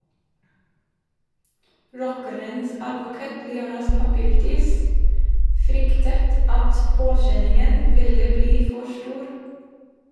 Rockerens advokat, Leonas Papirtis, fryktet at påkjenningen ville bli for stor.